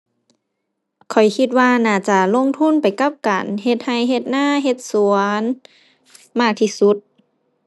ข้อยคิดว่าน่าจะลงทุนไปกับการเฮ็ดไร่ เฮ็ดนา เฮ็ดสวน มากที่สุด